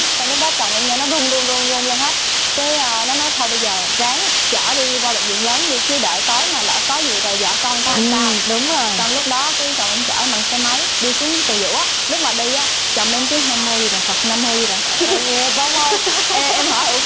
song lúc đó chồng em nghe nói run run run run lên hết cái nó nói thôi bây giờ ráng chở đi qua bệnh viện lớn chứ đi đợi tối mà lỡ có gì rồi vợ con đúng rồi sao sau lúc đó cái chồng chở bằng xe máy đi xuống từ dũ á lúc mà đi chồng em cứ nam mô a di đà phật nam mô a di đà phật em hỏi